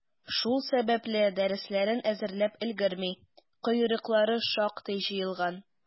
Шул сәбәпле, дәресләрен әзерләп өлгерми, «койрыклары» шактый җыелган.